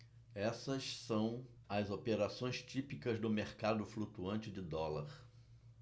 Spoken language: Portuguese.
essas são as operações típicas do mercado flutuante de dólar